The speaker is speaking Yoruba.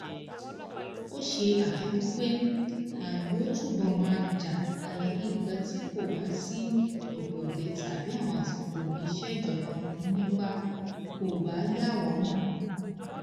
Ó ṣe àfikún pé: "A yóò túbọ̀ máa jà àyàfi ìgbà tí kò bá sí ibodè tàbí àwọn àsìkò ìṣèjọba onípá kò bá yà wá mọ́."